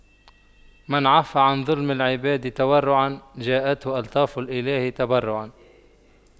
من عَفَّ عن ظلم العباد تورعا جاءته ألطاف الإله تبرعا